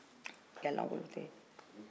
tunkara maraka don